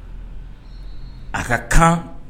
A ka kan